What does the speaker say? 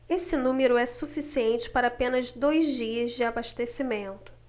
esse número é suficiente para apenas dois dias de abastecimento